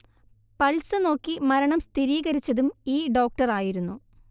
pulse നോക്കി മരണം സ്ഥീരീകരിച്ചതും ഈ ഡോക്ടർ ആയിരുന്നു